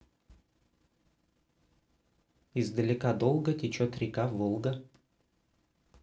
издалека долго течет река волга